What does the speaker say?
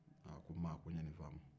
aa a ko ma ko n ye nin faamu